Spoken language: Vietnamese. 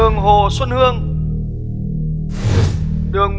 đường hồ xuân hương đường